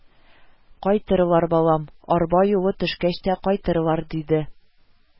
– кайтырлар, балам, арба юлы төшкәч тә кайтырлар, – диде